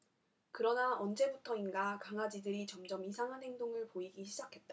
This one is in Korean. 그러나 언제부터인가 강아지들이 점점 이상한 행동을 보이기 시작했다